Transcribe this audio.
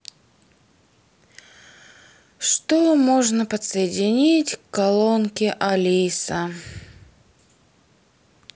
что можно подсоединить к колонке алиса